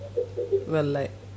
wallay